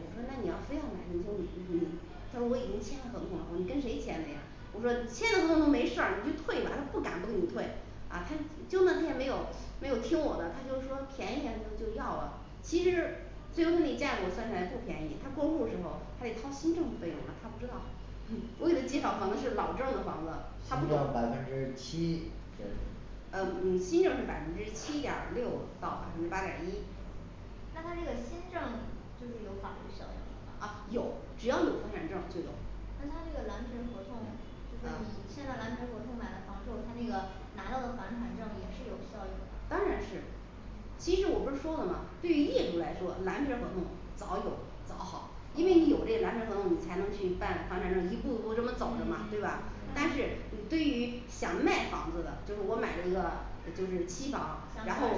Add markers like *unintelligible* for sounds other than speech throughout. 我说那你要非要买你就努力努力他说我已经签了合同了我说你跟谁签的呀我说签了合同都没事儿，你就退吧，他不敢不给你退啊他就那他也没有没有听我的，他就说便宜点就就要了其实最后你价格算起来不便宜他过户的时候还得掏新证的费用呢，他不知道 *crosstalk* 我给他介绍的房子是老证儿的房子他不新懂证儿百分之七这是呃嗯新证儿是百分之七点儿六到百分之嗯八点儿一嗯那他那个新证就是有法律效应的吧啊有只要有房产证儿就有那他这个蓝皮儿合同，就是你啊签了蓝皮儿合同，买了房之后，他那个拿到的房产证儿也是有效应的当然是其实我不是说了吗，对于业主来说蓝皮儿合同早有早好因为你有这个啊蓝皮儿合同你才能去办房产证儿，一步一步这么走着嘛对嗯吧啊但是啊你对于想卖房子的就是我买了一个对就是期想转房，然手后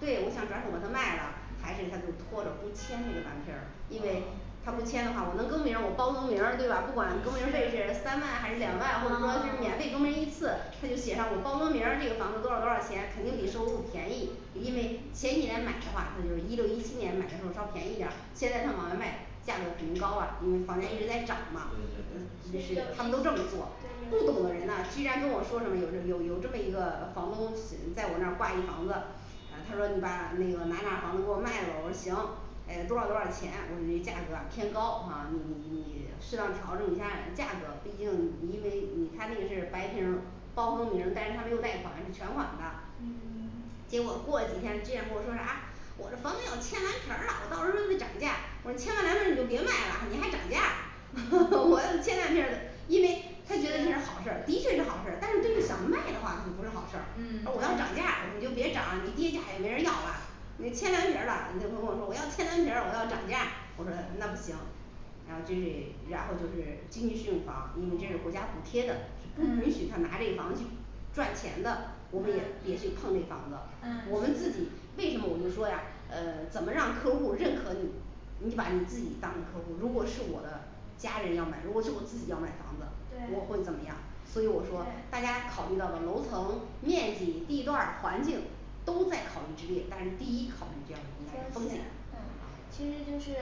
出去我的想转手把它卖了还得在这拖着不签这个蓝皮儿因为啊他不签的话对我能更名我包更名儿对吧不管更名儿费嗯是三万还是两万啊，或者说啊是免 *silence* 费更名儿一次他就写上我包更名儿那个房子多少多少钱，肯定比收入便宜因为嗯前几年买的话他就是一六一七年买的时候儿稍便宜点儿现在他往外卖价格肯定高了，因为房价一直在涨嘛呃对于对对是他们都这么做对不懂的人呢居然跟我说什么有有这么一个房东呃在我那儿挂一房子呃他说你把那个哪儿哪儿房子给我卖了，我说行哎多少多少钱我说那价格儿啊偏高哈你你你适当调整一下价格，毕竟因为你他这个是白皮儿包更名儿但是他没有贷款是全款的嗯嗯，结果过几天居然跟我说啥我这房子要签蓝皮儿了，我到时候儿再涨价儿我说签完蓝皮儿你就别卖了，你还涨价儿 *noise* 我要签蓝皮儿的，因为他觉得这是好事儿的确是好事儿但是对于想卖的话那就不是好事儿说嗯我要涨价我说你就别涨了，你跌价也没人要了你签蓝皮儿啦，你这客户跟我说我要签蓝皮儿我要涨价我说那不行然后这是然后就是经济适用房因为这是国家啊补贴的是不允许他拿这个房子去赚钱的我们也别去碰那房子我们嗯自己为什么我就说呀嗯怎么让客户儿认可你你把你自己当成客户儿，如果是我的家人要买，如果是我自己要买房子我会对怎么样所以我说大对家考虑到的楼层、面积、地段儿、环境都在考虑之列，但是第一考虑这样的应该是风风险险嗯其实就是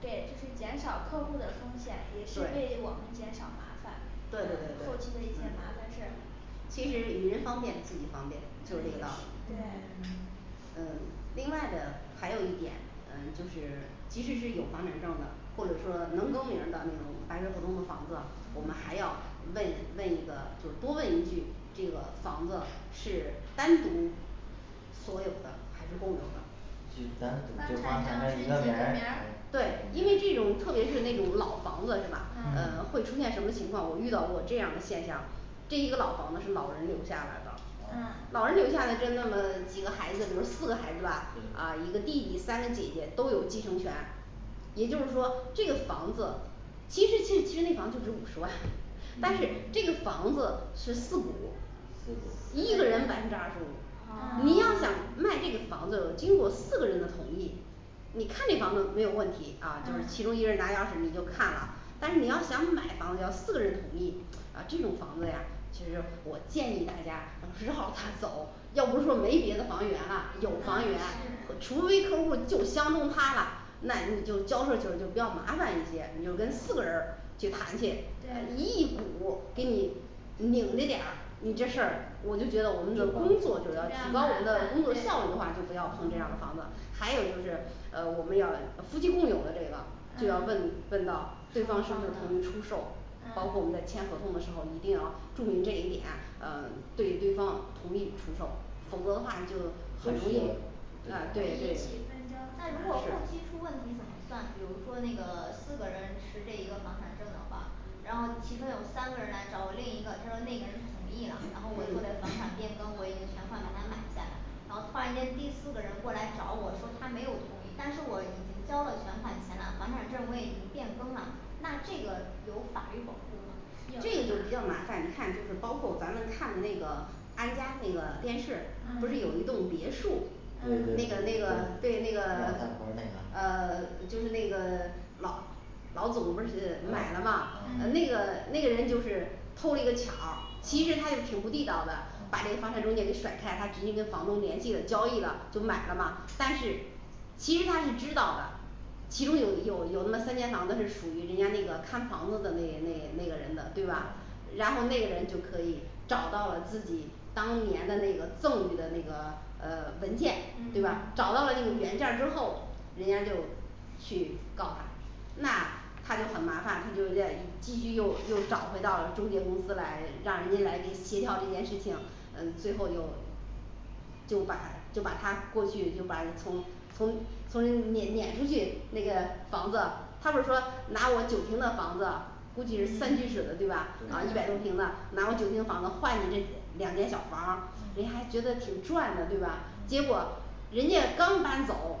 给就是减少客户儿的风险也是为对我们减少麻烦嗯对对后期对那对些麻嗯烦事儿其实予人方便自己方嗯也便是就是这对个道理嗯 *silence* 嗯另外的还有一点嗯就是即使是有房产证儿的或者说能更名儿的那种白皮儿合同的房子我们还要问问一个就是多问一句，这个房子是单独所有的还是共有的就咱就房房产产证证儿儿是一几个个名名儿还儿对因为几这个名儿种特别是那种老房子是吧呃嗯嗯会出现什么情况我遇到过这样的现象这一个老房子是老人留下来的嗯嗯老人留下来就那么几个孩子，比如四个孩子吧啊对一个弟弟三个姐姐都有继承权嗯也就是说这个房子其实至 *unintelligible* 其实那房子就值五十万 *noise* 但是嗯这个房子是四股四股一四个个人人百分之二十啊五，你啊要想 *silence* 卖这个房子，经过四个人的同意你看那房子没有问题啊就是其嗯中一人拿钥匙你就看了但是你要想买房子，要四个人同意啊这种房子呀，其实我建议大家要 *noise* 绕它走又不是说没别的房源了有房源我除非客户儿就相中它啦那你就交涉时候儿就比较麻烦一些，你就跟四个人儿去谈去呃你对一股儿给你拧那点儿你这事儿我就觉得我们的工作就是要提高我们的工作效率的话，就不要碰这样儿的房子还有就是呃我们要夫妻共有的这个就要问问到对方是不是同意出售包括我们嗯在签合同的时候一定要注明这一点，呃对对方同意出售，否则的话就都很容需要易会引啊，对对对方起纷争但如果后对吧期是出问题怎么算，比如说那个四个人持这一个房产证儿的话然后其中有三个人来找我，另一个他说那个人同意了，然后我做了房嗯产变更我已经全款把它买下来，然后突然间第四个人过来找我说他没有同意但是我已经交了全款钱了，房产证儿我也已经变更了那这个有法律保护吗这个就比较麻烦，你看就是包括咱们看的那个安家那个电视不是有嗯嗯一幢别墅对对那嗯个那个对对那个 *silence* 呃就是那个老老总不是买了嗯吗那个那个人就是偷了一个巧儿其实嗯他是挺不地道的把这个嗯房产中介给甩开，他直接跟房东联系的，交易了就买了嘛但是其实他是知道的其中有有有那么三间房子是属于人家那个看房子的那那那个人的，对吧嗯然后那个人就可以找到了自己当年的那个赠予的那个呃文件对吧嗯找到了那个原件儿之后人家就去告他那他就很麻烦，他就要继续又又找回到了中介公司来，让人家来给协调这件事情嗯最后又就把就把他过去就把从从从撵撵出去，那个房子他不是说拿我九亭的房子估计是嗯三居室的对吧？啊一百多啊对平的拿我九平房子换你这两间小房儿人还嗯觉得还挺赚的对吧结嗯果人家刚搬走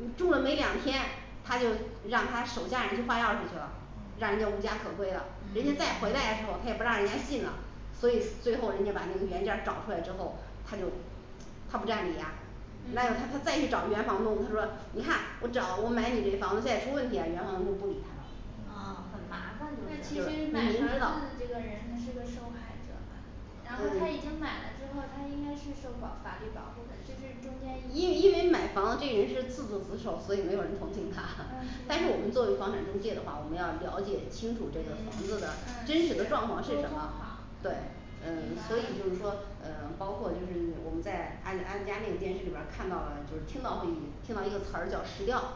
嗯住了没两天，他就嗯让他手下人去换钥匙去了让人嗯家无家可归了人家嗯再回来的时候他也不让人家进了所以最后人家把那原件儿找出来之后他就他不占理啊那嗯要他再去找原房东他说你看我找我买你这房子，现在出问题了，原房东不理他了啊很麻烦那其就就是是实你买房子的这个人他是个受害者吗然后他嗯已经买了之后，他应该是受保保法律保护的就是中间因因为买房这个人是自作自受，所以没有人同情他 *noise* 但是我们作为房产中介的话，我们要了解清楚这个房嗯子的真嗯是实沟的通状好况是什么对嗯所以就是说嗯包括就是我们在安安家那电视里边儿看到了，就是听到会听到一个词儿叫实调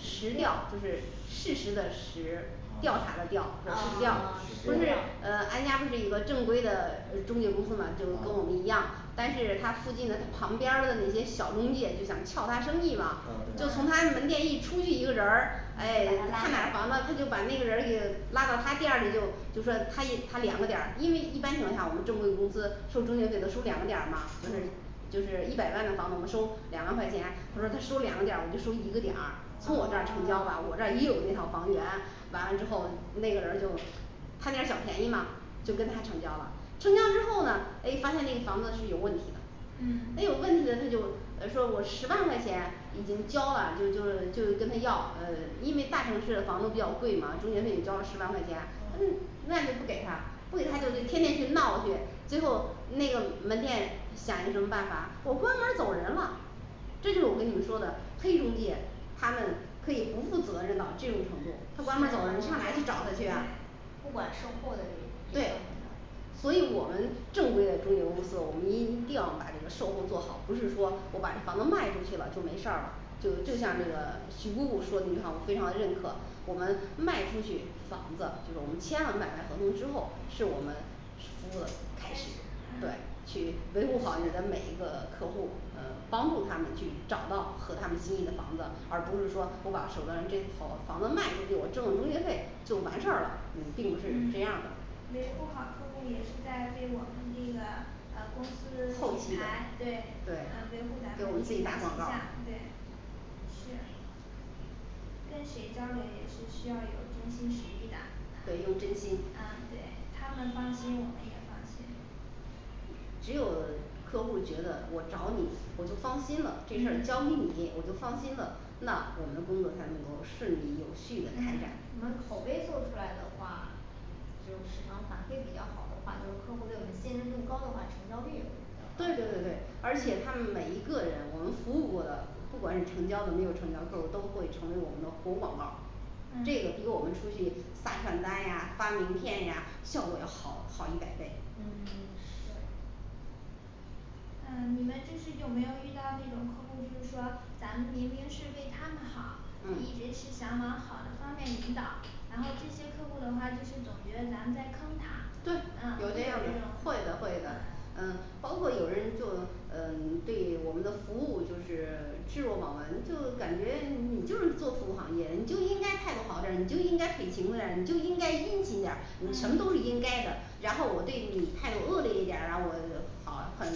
实什么实实调调就是事实的实调查的嗯调啊啊啊这时调啊不实是调呃安家不是一个正规的呃中介公司嘛，就跟我们一样但是他附近的他旁边儿的那些小中介就想翘他生意嘛就从他门店一出去一个人儿哎看哪儿房子，他就把那个人儿给拉到他店儿里，就就说他一他两个点儿因为一般情况下我们正规公司收中介费都收两个点儿嘛就是嗯就是一百万的房子我们收两万块钱他说他收两个点儿我就收一个点儿从我这儿成交啊吧我这儿也有那套房源完了之后那个人儿就贪点儿小便宜嘛就跟他成交了成交之后呢哎发现那个房子是有问题的嗯他有问题的他就呃说我十万块钱已经交了就就是就跟他要呃因为大城市的房子比较贵嘛中介费就交了十万块钱但是嗯赖着不给他不给他就去天天去闹去最后那个门店想一什么办法我关门儿走人了这就是我给你们说的黑中介他们可以不负责任到这种程度是他关门儿走人上哪啊儿去找他去 *silence* 啊对不管售后的这这方对面的所以我们正规的中介公司我们一定要把这个售后做好不是说我把这房子卖出去了就没事儿了就就像这个徐姑姑说的那句话我非常的认可我们卖出去房子就是我们签了买卖合同之后是我们是服务的开开始始对去维护好你的每一个客户儿呃帮助他们去找到和他们心仪的房子而不是说我把手头上的这套房子卖出去我挣个中介费就完事儿了嗯并不是这样嗯的维护好客户儿也是在为我们这个呃公后司期品的牌对嗯对维护咱给我们们自己品打牌形广告象儿对，是跟谁交流也是需要有真心实意的啊对用真心啊对他们放心我们也放心只有客户觉得我找你我就放心了，这事儿交给嗯你我就放心了，那我们的工作才能够顺利有序的开嗯展我们口碑做出来的话只有市场反馈比较好的话，就是客户儿对我们信任度高的话，成交率也会比对较高对对对而且他们每一个人我们服务过的不管你成交了没有成交客户儿都会成为我们的活广告儿这个比嗯我们出去发传单呀发名片呀效果要好好一百倍嗯 *silence* 是嗯你们就是有没有遇到那种客户就是说咱们明明是为他们好目的只嗯是想往好的方面引导，然后这些客户儿的话就是总觉得咱们在坑他对嗯就有是这这样种儿的会的会的嗯包括有人就是嗯对我们的服务就是 *silence* 质问我们，就感觉你就是做服务行业你就应该态度好点儿你就应该腿勤快点儿，你就应该殷勤点儿你什么都是嗯应该的然后我对你态度恶劣一点儿啊我 *silence* 好很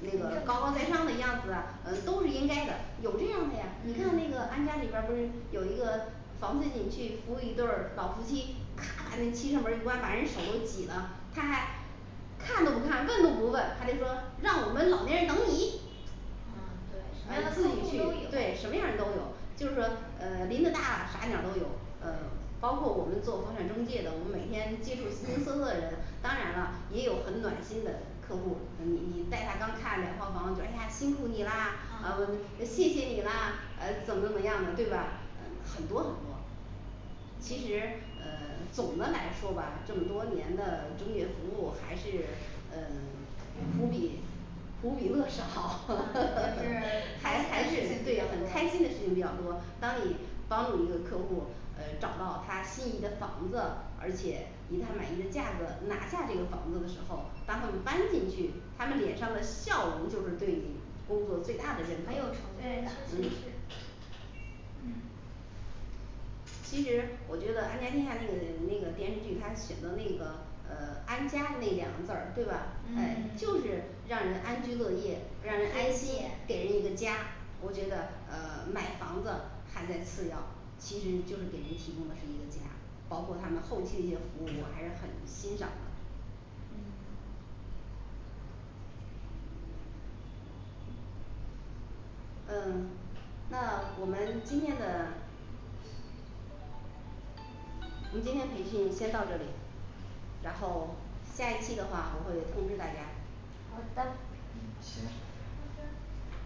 那个高高在上的样子啊，嗯都是应该的有这样的呀你嗯看那个安家里边儿不是有一个房似锦去服务一对儿老夫妻咔把那汽车门儿一关把人手都挤了他还看都不看问都不问，还得说让我们老年人等你啊对什啊么样的客自己去户儿都对有什么样儿的都有就是说呃林子大了啥鸟儿都有呃包括我们做房产中介的，我们每天接触形形色色的人当然了也有很暖心的客户儿嗯你你带他刚看两套房就哎呀辛苦你啦啊我嗯们谢谢你啦呃怎么怎么样的对吧嗯很多很多其实呃 *silence* 总的来说吧这么多年的中介服务还是嗯无比无比落实好呵呵呵这呵是 *noise* 还还是对很开心的事情比较多当你帮助一个客户儿呃找到他心仪的房子而且以他满意的价格拿下这个房子的时候，当他们搬进去，他们脸上的笑容就是对你工作最大很有的认可成对就感确实是嗯嗯其实我觉得安家天下那个那个电视剧他写的那个呃安家那两个字儿对吧唉嗯 *silence* 就是让人安居乐业让人安推心卸给人一个家我觉得呃买房子还在次要其实就是给人提供的是一个家包括他们后续的一些服务我还是很欣赏的推卸嗯嗯那我们今天的嗯今天培训先到这里然后下一期的话我会通知大家好的嗯行好的